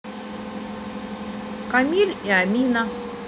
камиль и амина